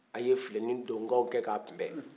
a ye fileni dɔngɔw kɛ ka kun